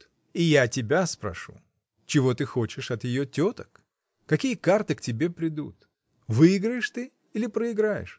— И я тебя спрошу: чего ты хочешь от ее теток? Какие карты к тебе придут? Выиграешь ты или проиграешь?